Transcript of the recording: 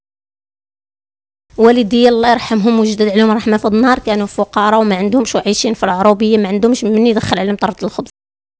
ولدي الله يرحمهم ويجعل وما رحنا المهرجان وقارون عندهم تعيشين في العربيه معندهمش من يدخل عليه